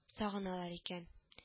Сагыналар икән